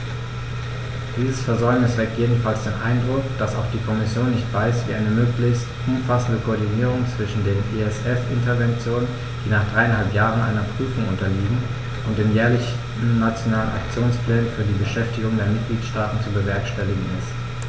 Dieses Versäumnis weckt jedenfalls den Eindruck, dass auch die Kommission nicht weiß, wie eine möglichst umfassende Koordinierung zwischen den ESF-Interventionen, die nach dreieinhalb Jahren einer Prüfung unterliegen, und den jährlichen Nationalen Aktionsplänen für die Beschäftigung der Mitgliedstaaten zu bewerkstelligen ist.